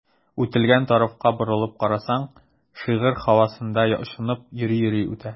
Үтелгән тарафка борылып карасаң, шигырь һавасында очынып йөри-йөри үтә.